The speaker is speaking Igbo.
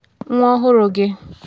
Nwa ọhụrụ gị?